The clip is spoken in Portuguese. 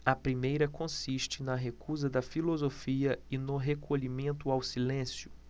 a primeira consiste na recusa da filosofia e no recolhimento ao silêncio